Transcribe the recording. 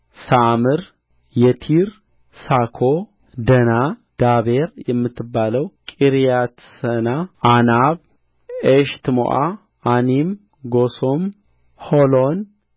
ሳምር የቲር ሶኮ ደና ዳቤር የምትባለው ቂርያትሰና ዓናብ ኤሽትሞዓ ዓኒም ጎሶም ሖሎን